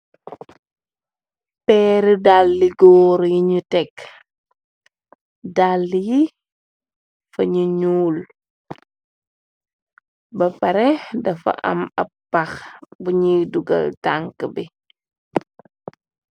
Peer dàlli góor yiñu tegg dàll yi fa ñu ñyuul ba pare dafa am ab pax buñiy dugal tanke bi.